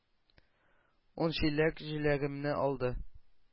Ун чиләк җиләгемне алды.